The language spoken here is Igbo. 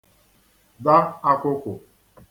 dà àkwụkwụ̀